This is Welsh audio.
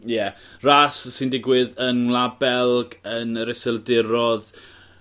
Ie ras sy'n digwydd yn Wlad Belg yn yr Iseldirodd